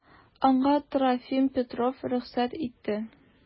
Аңа Трофим Петров рөхсәт итте.